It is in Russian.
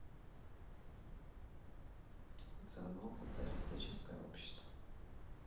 национал социалистическое общество